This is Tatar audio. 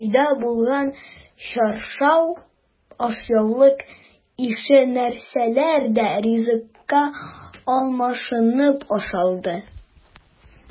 Өйдә булган чаршау, ашъяулык ише нәрсәләр дә ризыкка алмашынып ашалды.